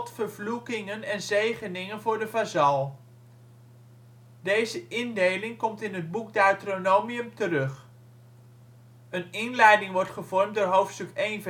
vervloekingen en zegeningen voor de vazal. Deze indeling komt in het boek Deuteronomium terug. een inleiding wordt gevormd door hoofdstuk 1:1